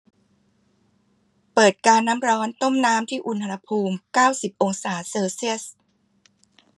เปิดกาน้ำร้อนต้มน้ำที่อุณหภูมิเก้าสิบองศาเซลเซียส